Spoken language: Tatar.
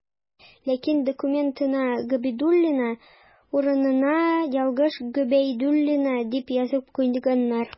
Ләкин документына «Габидуллина» урынына ялгыш «Гобәйдуллина» дип язып куйганнар.